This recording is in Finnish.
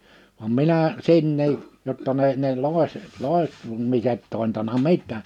vaan minä sinne jotta ne ne -- loitsemiset tointanut mitään